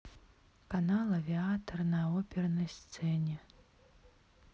канал авиатор на оперной сцене